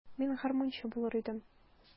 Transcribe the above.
Мин гармунчы булыр идем.